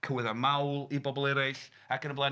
Cywyddau mawl i bobl eraill, ac yn y blaen.